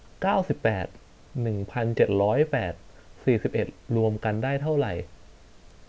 เก้าสิบแปดหนึ่งพันเจ็ดร้อยแปดสี่สิบเอ็ดรวมกันได้เท่าไหร่